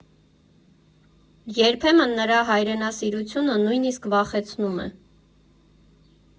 Երբեմն նրա հայրենասիրությունը նույնիսկ վախեցնում է.